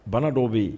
Bana dɔw bɛ yen